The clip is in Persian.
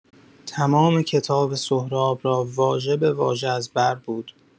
تمام کتاب سهراب را واژه به واژه از بر بود.